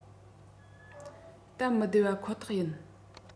སྟབས མི བདེ བ ཁོ ཐག ཡིན